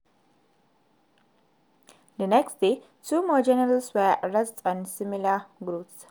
The next day, two more journalists were arrested on similar grounds.